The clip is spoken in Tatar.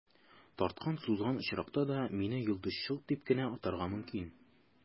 Тарткан-сузган очракта да, мине «йолдызчык» дип кенә атарга мөмкин.